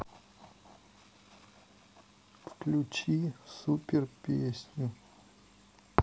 включи суперпесню